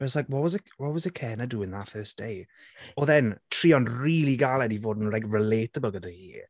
And I was like what was what was Ekenna doing that first day? Oedd e'n trio'n rili galed i fod yn like relatable gyda hi.